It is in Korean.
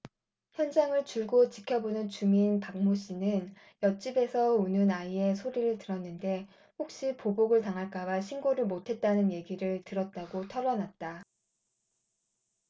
현장을 줄곧 지켜보던 주민 박모씨는 옆집에서 우는 아이의 소리를 들었는데 혹시 보복을 당할까봐 신고를 못했다는 얘기를 들었다고 털어놨다